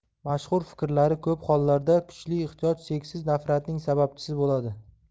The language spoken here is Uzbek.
mashhur fikrlari ko'p hollarda kuchli ehtiyoj cheksiz nafratning sababchisi bo'ladi